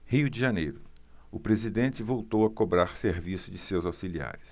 rio de janeiro o presidente voltou a cobrar serviço de seus auxiliares